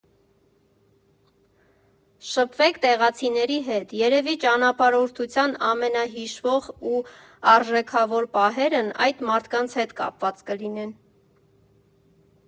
Շփվեք տեղացիների հետ, երևի ճանապարհորդության ամենահիշվող ու արժեքավոր պահերն այդ մարդկանց հետ կապված կլինեն։